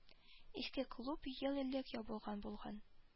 Иске клуб ел элек ябылган булган